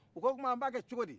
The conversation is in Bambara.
u k'o tuma an b'a kɛ cogo di